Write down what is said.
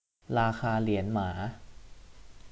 ราคาเหรียญหมา